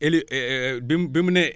héli bim bi mu nee